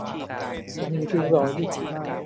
ฉันมีริ้วรอยที่ผิวหน้า